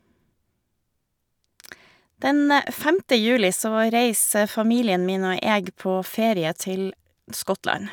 Den femte juli så reiser familien min og jeg på ferie til Skottland.